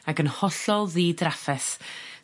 ag yn hollol ddidraffeth